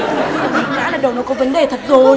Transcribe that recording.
con nhã này đầu nó có vấn đề thật rồi